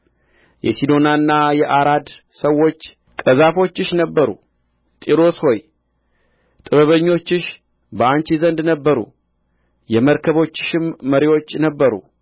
የሲዶናና የአራድ ሰዎች ቀዛፎችሽ ነበሩ ጢሮስ ሆይ ጥበበኞችሽ በአንቺ ዘንድ ነበሩ የመርከቦችሽም መሪዎች ነበሩ